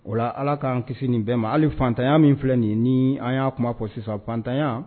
O ala k'an kisi nin bɛɛ ma hali fatanya min filɛ nin ni an y'a kuma fɔ sisan fantanya